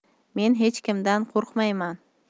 men hech kimdan qo'rqmayman